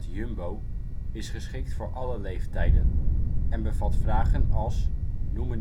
Jumbo is geschikt voor alle leeftijden en bevat vragen als " noem